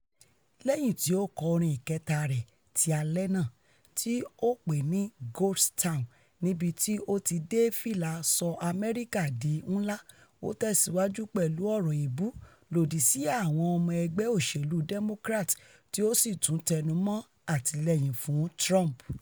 Lẹ́yìn tí ó kọ orin ìkẹta rẹ̀ ti alẹ́ náà, tí ó pè ni Ghost Town níbi ti o ti ńdé fila Sọ Amẹrika Di Ńlà, ó tẹ̀síwájú pẹ̀lú ọ̀rọ̀ èébu lòdí sí àwọn ọmọ ẹgbẹ́ òṣèlú Democrats tí o sì tún tẹnumọ́ àtìlẹ́yìn fún Trump.